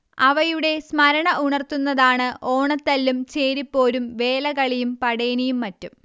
അവയുടെ സ്മരണ ഉണർത്തുന്നതാണ് ഓണത്തല്ലും ചേരിപ്പോരും വേലകളിയും പടേനിയും മറ്റും